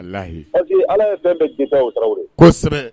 Ala ye bɛn bɛ bi kosɛbɛ